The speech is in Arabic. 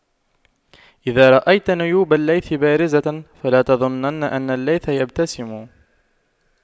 إذا رأيت نيوب الليث بارزة فلا تظنن أن الليث يبتسم